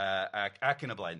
Yy ac ac yn y blaen.